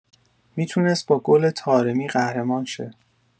میتونس با گل طارمی قهرمان شه